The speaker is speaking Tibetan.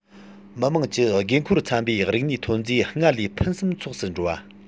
མི དམངས ཀྱི དགོས མཁོར འཚམ པའི རིག གནས ཐོན རྫས སྔར ལས ཕུན སུམ ཚོགས སུ འགྲོ བ